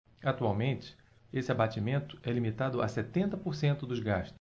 atualmente esse abatimento é limitado a setenta por cento dos gastos